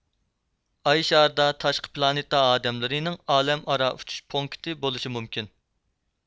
ئاي شارىدا تاشقى پلانېتا ئادەملىرىنىڭ ئالەم ئارا ئۇچۇش پونكىتى بولۇشى مۇمكىن